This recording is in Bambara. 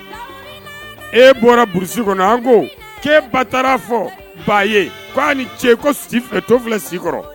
E bɔraurusi kɔnɔ an ko k'e ba taara fɔ ba ye k ni ce to filɛ si kɔrɔ